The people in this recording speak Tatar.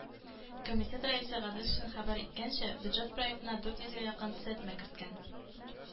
Комитет рәисе Гаделшин хәбәр иткәнчә, бюджет проектына дүрт йөзгә якын төзәтмә кергән.